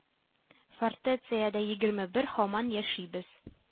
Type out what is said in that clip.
Фортециядә егерме бер һаман яшибез